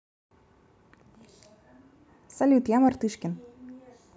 салют я мартышкин